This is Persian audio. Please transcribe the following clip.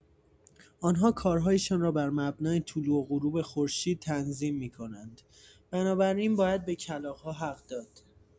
آن‌ها کارهایشان را بر مبنای طلوع و غروب خورشید تنظیم می‌کنند؛ بنابراین باید به کلاغ‌ها حق داد.